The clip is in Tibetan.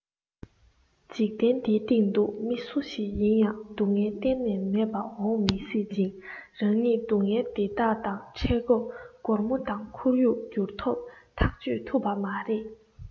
འཇིག རྟེན འདིའི སྟེང དུ མི སུ ཞིག ཡིན ཡང སྡུག བསྔལ གཏན ནས མེད པ འོངས མི སྲིད ཅིང རང ཉིད སྡུག བསྔལ འདི དག དང འཕྲད སྐབས སྒོར མོ དང ཁོར ཡུག སྒྱུར ཐབས ཐག གཅོད ཐུབ པ མ རེད